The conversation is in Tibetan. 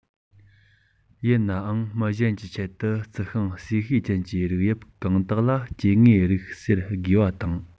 ཡིན ནའང མི གཞན གྱི ཆེད དུ རྩི ཤིང ཟས གཤིས ཅན གྱི རིགས དབྱིབས གང དག ལ སྐྱེ དངོས རིགས ཟེར དགོས པ དང